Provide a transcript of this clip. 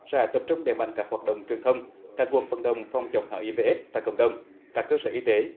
sẽ tập trung đẩy mạnh các hoạt động truyền thông các cuộc vận động phòng chống hát i vê ết tại cộng đồng các cơ sở y tế